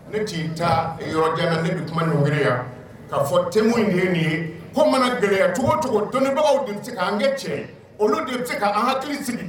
Ne ca yɔrɔ jan kan ne bɛ ni wele yan k'a fɔ te ye nin ye ko mana gɛlɛyaya cogo cogo donbagaw de tɛ se'an kɛ tiɲɛ olu de bɛ tɛ se k'an hakili sigi